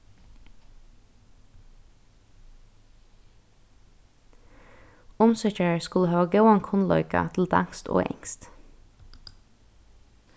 umsøkjarar skulu hava góðan kunnleika til danskt og enskt